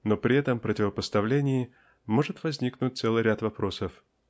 Но при этом противопоставлении может возникнуть целый ряд вопросов